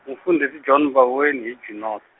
mufundhisi John Mboweni hi Junod.